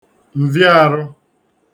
ǹvịaarụ̄